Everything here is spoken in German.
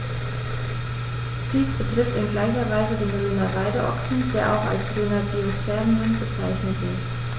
Dies betrifft in gleicher Weise den Rhöner Weideochsen, der auch als Rhöner Biosphärenrind bezeichnet wird.